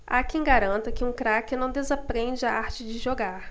há quem garanta que um craque não desaprende a arte de jogar